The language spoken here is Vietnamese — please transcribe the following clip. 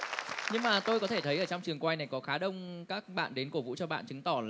nhưng mà tôi có thể thấy ở trong trường quay này có khá đông các bạn đến cổ vũ cho bạn chứng tỏ